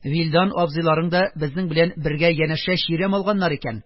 Вилдан абзыйларың да безнең белән бергә янәшә чирәм алганнар икән,